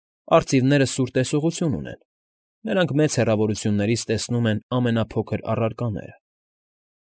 Արծիվները սուր տեսողություն ունեն, նրանք մեծ հեռավորություններից տեսնում են ամենափոքր առարակաները։